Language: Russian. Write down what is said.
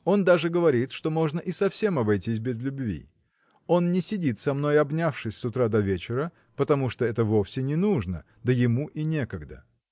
Он даже говорит, что можно и совсем обойтись без любви. Он не сидит со мной обнявшись с утра до вечера потому что это вовсе не нужно да ему и некогда.